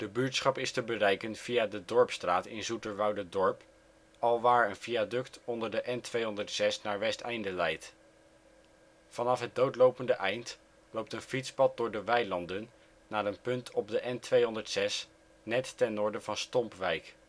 buurtschap is te bereiken via de dorpsstraat in Zoeterwoude-dorp alwaar een viaduct onder de N206 naar Westeinde leidt. Vanaf het doodlopende eind loopt een fietspad door de weilanden naar een punt op de N206 net ten noorden van Stompwijk